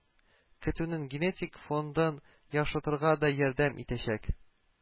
Көтүнең генетик фондын яхшыртырга да ярдәм итәчәк